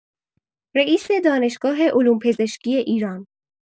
رییس دانشگاه علوم‌پزشکی ایران